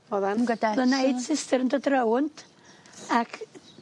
Oddan. . O'dd y Night Sister yn dod rownd ac